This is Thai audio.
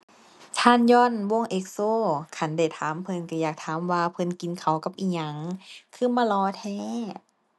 ชานยอล วง EXO คันได้ถามเพิ่นก็อยากถามว่าเพิ่นกินข้าวกับอิหยังคือมาหล่อแท้